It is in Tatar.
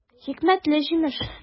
Хикмәтле җимеш!